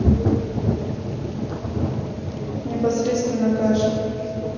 непосредственно каша